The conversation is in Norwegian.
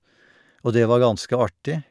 Og det var ganske artig.